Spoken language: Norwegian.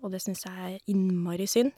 Og det syns jeg er innmari synd.